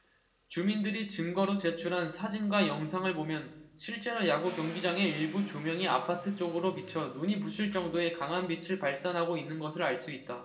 주민들이 증거로 제출한 사진과 영상을 보면 실제로 야구경기장의 일부 조명이 아파트 쪽으로 비쳐 눈이 부실 정도의 강한 빛을 발산하고 있는 것을 알 수 있다